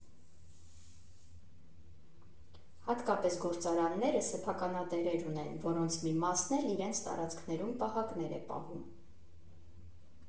Հատկապես գործարանները սեփականատերեր ունեն, որոնց մի մասն էլ իրենց տարածքներում պահակներ է պահում։